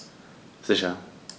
Sicher.